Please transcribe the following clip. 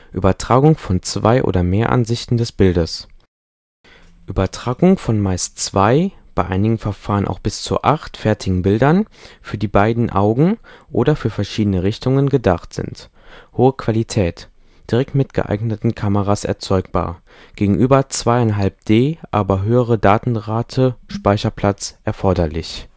Übertragung von 2 oder mehr Ansichten des Bildes: Übertragung von meist 2 (bei einigen Verfahren auch bis zu 8) fertigen Bildern, für die beiden Augen (oder für verschiedene Richtung) gedacht sind. Hohe Qualität. Direkt mit geeigneten Kameras erzeugbar. Gegenüber 2½-D aber höhere Datenraten/Speicherplatz erforderlich